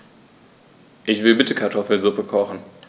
Ich will bitte Kartoffelsuppe kochen.